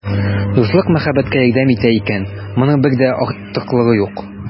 Дуслык мәхәббәткә ярдәм итә икән, моның бер дә артыклыгы юк.